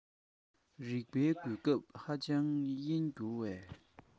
རེག པའི གོ སྐབས ཧ ཅང དབེན འགྱུར པས